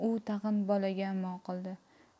u tag'in bolaga imo qildi